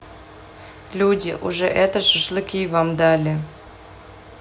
люди уже это шашлыки вам dali